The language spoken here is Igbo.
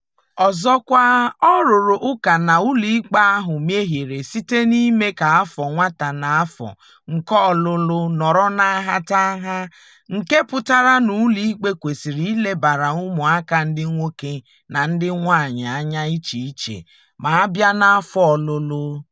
Ọzọkwa, ọ rụrụ ụka na ụlọikpe ahụ mehiere site na "ime ka afọ nwata na afọ nke ọlụlụ nọrọ na nhatanaha," nke pụtara na ụlọikpe kwesịrị ilebara ụmụaka ndị nwoke na ndị nwaanyị anya iche iche ma a bịa n'afọ ọlụlụ.